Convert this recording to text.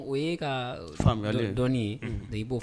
O ye k'a faamuyali dɔ dɔnni ye do i b'o f